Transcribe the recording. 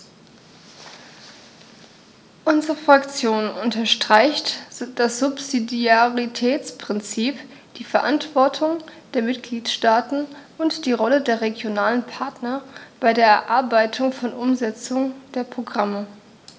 Unsere Fraktion unterstreicht das Subsidiaritätsprinzip, die Verantwortung der Mitgliedstaaten und die Rolle der regionalen Partner bei der Erarbeitung und Umsetzung der Programme.